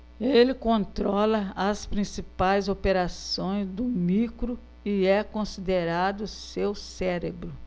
ele controla as principais operações do micro e é considerado seu cérebro